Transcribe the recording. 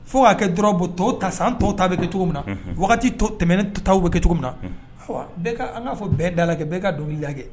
Fo'a kɛ dɔrɔn bɔ to ta san tɔw ta bɛ kɛ cogo min na wagati to tɛmɛnen tuta bɛ kɛ cogo min na bɛɛ an'a fɔ bɛɛ da la kɛ bɛɛ ka dɔnkilibili lajɛ